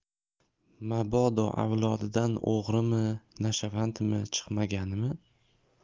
mabodo avlodidan o'g'rimi nashavandmi chiqmaganmi